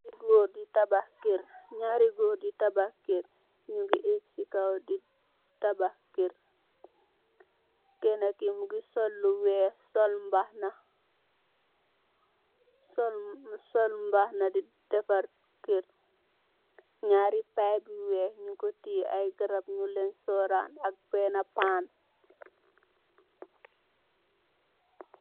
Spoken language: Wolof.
Nyeeri goor yu tabahk kerr la kene ki mougui soul lou weck aye garap molen wor